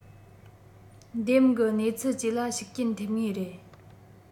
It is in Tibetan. འདེམས གི གནས ཚུལ བཅས ལ ཤུགས རྐྱེན ཐེབས ངེས རེད